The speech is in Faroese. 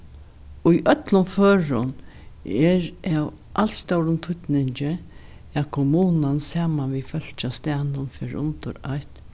í øllum førum er av alstórum týdningi at kommunan saman við fólki á staðnum fer undir eitt